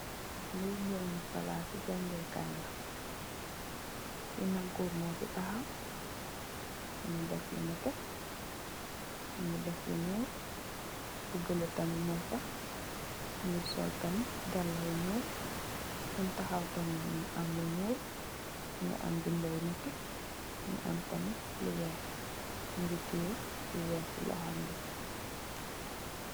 Palaas i jaangee kaay la beenë góor moo fi taxaw, mu ngi def lu ñuul, lu bulo tam mung fa, mu ngi sol tamit, dallë yu ñuul, fum taxaw tamit mu ngi am lu ñuul, mu ngi am bindë yu nétté, mu am tamit lu weex, mu ngi tiye lu weex si loxoom bi